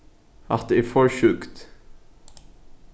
hatta er for sjúkt